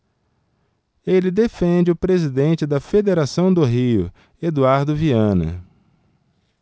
ele defende o presidente da federação do rio eduardo viana